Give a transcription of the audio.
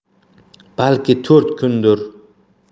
balki to'rt kundir